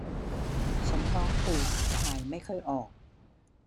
ฉันท้องผูกถ่ายไม่ค่อยออก